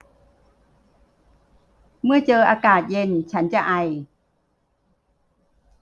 เมื่อเจออากาศเย็นฉันจะไอ